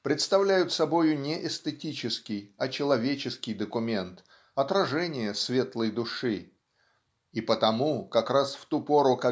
представляют собою не эстетический а человеческий документ отражение светлой души. И потому как раз в ту пору